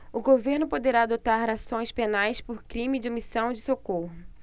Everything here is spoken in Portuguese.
o governo poderá adotar ações penais por crime de omissão de socorro